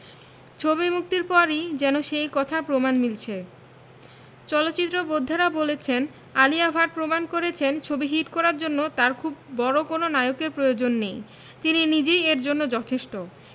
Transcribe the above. ছবি মুক্তির পরই যেন সেই কথা প্রমাণ মিলছে চলচ্চিত্র বোদ্ধারা বলেছেন আলিয়া ভাট প্রমাণ করেছেন ছবি হিট করার জন্য তার খুব বড় কোনো নায়কের প্রয়োজন নেই তিনি নিজেই এর জন্য যথেষ্ট